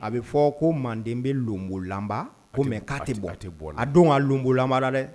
A bɛ fɔɔ ko manden bɛ lonbolanba ko mais k'a tɛ bɔ a tɛ bɔ a don a lonbolanbada dɛ